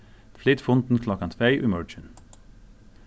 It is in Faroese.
flyt fundin klokkan tvey í morgin